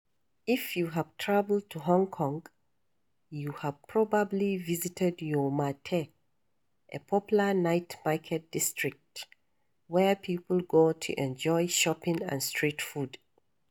If you have traveled to Hong Kong, you have probably visited Yau Ma Tei, a popular night market district where people go to enjoy shopping and street food.